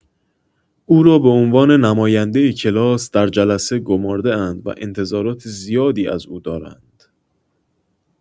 او را به عنوان نماینده کلاس در جلسه گمارده‌اند و انتظارات زیادی از او دارند.